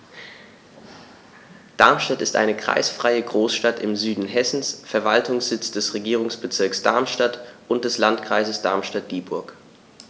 Darmstadt ist eine kreisfreie Großstadt im Süden Hessens, Verwaltungssitz des Regierungsbezirks Darmstadt und des Landkreises Darmstadt-Dieburg.